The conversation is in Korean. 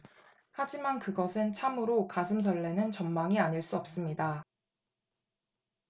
하지만 그것은 참으로 가슴 설레는 전망이 아닐 수 없습니다